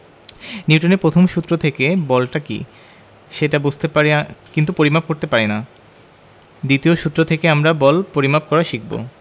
নিউটনের প্রথম সূত্র থেকে বলটা কী সেটা বুঝতে পারি কিন্তু পরিমাপ করতে পারি না দ্বিতীয় সূত্র থেকে আমরা বল পরিমাপ করা শিখব